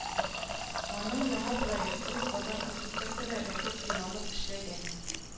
Аның яңа проектын Казан архитекторы Рәфыйк Билалов эшләгән